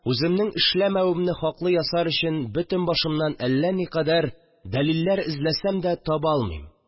Үземнең эшләмәвемне хаклы ясар өчен, бөтен башымнан әллә никадәр дәлилләр эзләсәм дә таба алмыйм